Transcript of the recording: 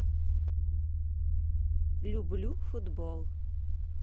люблю футбол